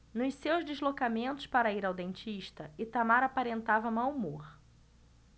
nos seus deslocamentos para ir ao dentista itamar aparentava mau humor